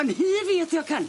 Yn hŷ fi di o Ken.